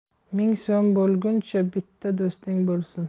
ming so'ming bo'lguncha bitta do'sting bo'lsin